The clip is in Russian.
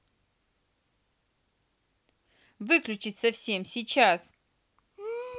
выключить совсем сейчас